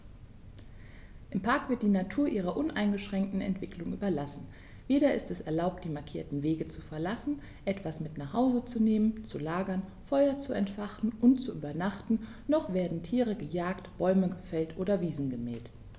Im Park wird die Natur ihrer uneingeschränkten Entwicklung überlassen; weder ist es erlaubt, die markierten Wege zu verlassen, etwas mit nach Hause zu nehmen, zu lagern, Feuer zu entfachen und zu übernachten, noch werden Tiere gejagt, Bäume gefällt oder Wiesen gemäht.